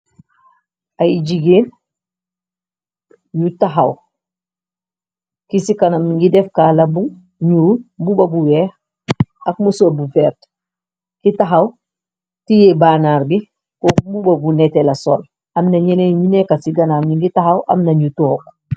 Ay jigéen yu taxaw ki ci kanam ngi def kaala bu nuul muba bu weex ak mësor bu vert ki taxaw tiyée bannaar bi ko bu muba bu neteh la sol amna nyenen ñi nekka ci ganam ni ngi taxaw am nañu tok.